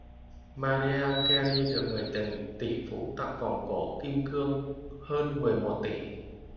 mariah carey được người tình tỷ phú tặng vòng cổ kim cương hơn mười một tỷ